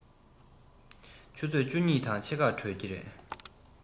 ཆུ ཚོད བཅུ གཉིས དང ཕྱེད ཀར གྲོལ གྱི རེད